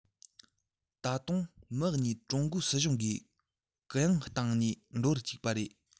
ད དུང མི གཉིས ཀྲུང གོའི སྲིད གཞུང གིས གུ ཡངས བཏང ནས འགྲོ རུ བཅུག པ རེད